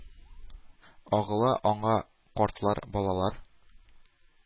Агыла аңа картлар, балалар,